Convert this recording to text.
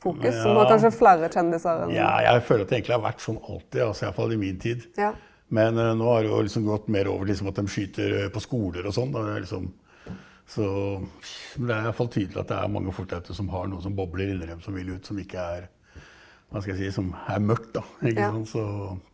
nja ja jeg føler at det egentlig har vært sånn alltid altså iallfall i min tid men nå har det jo liksom gått mer over liksom at dem skyter på skoler og sånn da det er liksom så det er iallfall tydelig at det er mange folk der ute som har noe som bobler inni dem som vil ut som ikke er hva skal jeg si som er mørkt da ikke sant så.